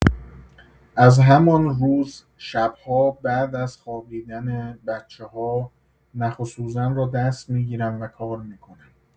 از همان روز شب‌ها بعد از خوابیدن بچه‌ها نخ و سوزن را دست می‌گیرم و کار می‌کنم.